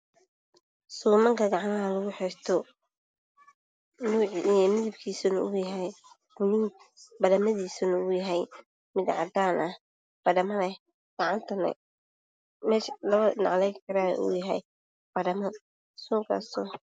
Waa suumanka gacanta lugu xirto midabkiisu waa buluug badhamadiisu waa cadaan, meesha labada dhinac oo laga xiro waa badhamo.